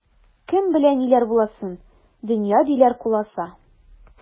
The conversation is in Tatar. Кем белә ниләр буласын, дөнья, диләр, куласа.